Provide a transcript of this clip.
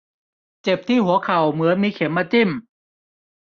เจ็บที่หัวเข่าเหมือนมีเข็มมาจิ้ม